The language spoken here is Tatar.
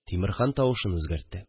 Тимерхан тавышын үзгәртте